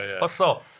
Hollol.